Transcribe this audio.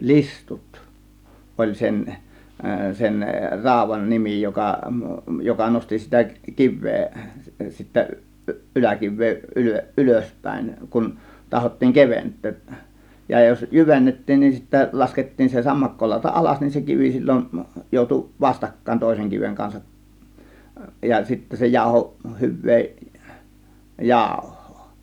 listut oli sen sen raudan nimi joka joka nosti sitä kiveä sitten - yläkiveä - ylöspäin kun tahdottiin keventää ja jos jyvennettiin niin sitten laskettiin se sammakkolauta alas niin se kivi silloin joutui vastakkain toisen kiven kanssa ja sitten se jauhoi hyvää jauhoa